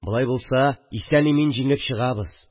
Болай булса, исән-имин җиңеп чыгабыз